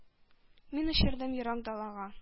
Мин очырдым ерак далага.